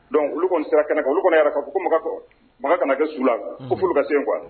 Don olu kɔni sera kɛnɛ olu kɔnɔ yɛrɛ ka makan kɔ makan kana kɛ su la ko olu ka se kuwa